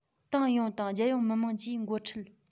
ཏང ཡོངས དང རྒྱལ ཡོངས མི དམངས ཀྱིས འགོ ཁྲིད